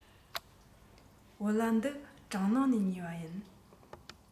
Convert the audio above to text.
བོད ལྭ འདི གྲ ནང ནས ཉོས པ ཡིན